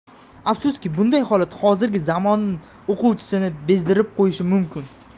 afsuski bunday holat hozirgi zamon o'quvchisini bezdirib qo'yishi mumkin